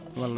wally